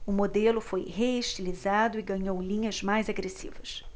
o modelo foi reestilizado e ganhou linhas mais agressivas